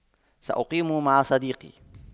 سأقيم مع صديقي